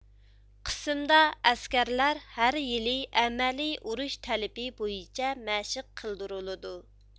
قىسىمدا ئەسكەرلەر ھەريىلى ئەمەلىي ئۇرۇش تەلىپى بويىچە مەشق قىلدۇرۇلىدۇ